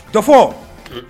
Dɔ fɔ